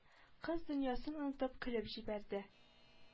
- кыз дөньясын онытып көлеп җибәрде